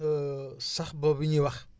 sax boobu ñuy wax